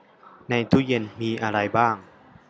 ในตู้เย็นมีอะไรบ้าง